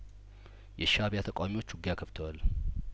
የሻእቢያ ተቃዋሚዎች ውጊያ ከፍተዋል